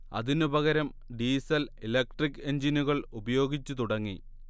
അതിനുപകരം diesel electric എഞ്ചിനുകൾ ഉപയോഗിച്ചു തുടങ്ങി